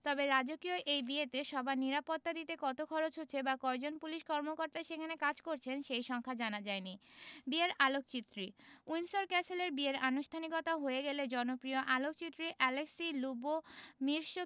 তবে রাজকীয় এই বিয়েতে সবার নিরাপত্তা দিতে কত খরচ হচ্ছে বা কয়জন পুলিশ কর্মকর্তা সেখানে কাজ করছেন সেই সংখ্যা জানা যায়নি বিয়ের আলোকচিত্রী উইন্ডসর ক্যাসেলে বিয়ের আনুষ্ঠানিকতা হয়ে গেলে জনপ্রিয় আলোকচিত্রী অ্যালেক্সি লুবোমির্সকি